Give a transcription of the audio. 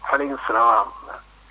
maaleykum salaam wa rahmatulah